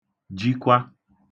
jikwà